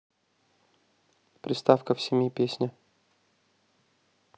приставка в семи песня